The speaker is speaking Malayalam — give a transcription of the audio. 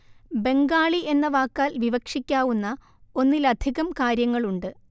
ബംഗാളി എന്ന വാക്കാൽ വിവക്ഷിക്കാവുന്ന ഒന്നിലധികം കാര്യങ്ങളുണ്ട്